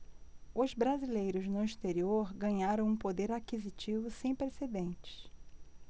os brasileiros no exterior ganharam um poder aquisitivo sem precedentes